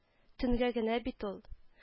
Төнгә генә бит ул